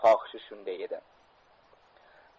xohishi shunday edi